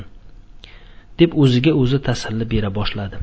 deb o'ziga o'zi tasalli bera boshladi